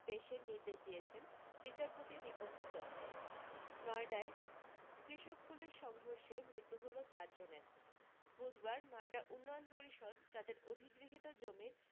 পেশের নির্দেশ দিয়েছেন বিচারপতি দীপঙ্কর দত্ত নয়ডায় কৃষক পুলিশ সংঘর্ঘে মৃত্যু হল চার জনের বুধবার নয়ডা উন্নয়ন পরিষদ তাদের অধিগৃহিত জমির